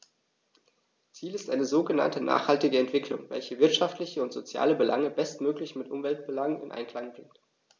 Ziel ist eine sogenannte nachhaltige Entwicklung, welche wirtschaftliche und soziale Belange bestmöglich mit Umweltbelangen in Einklang bringt.